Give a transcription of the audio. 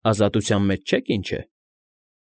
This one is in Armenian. Ազատության մեջ չե՞ք, ինչ է։